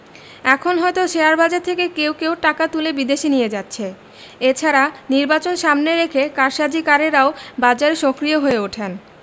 এখন হয়তো শেয়ারবাজার থেকে কেউ কেউ টাকা তুলে বিদেশে নিয়ে যাচ্ছে এ ছাড়া নির্বাচন সামনে রেখে কারসাজিকারেরাও বাজারে সক্রিয় হয়ে ওঠেন